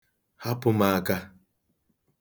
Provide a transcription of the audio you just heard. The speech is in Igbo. Hapụ m aka!